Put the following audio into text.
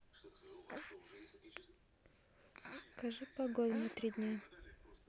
скажи погоду на три дня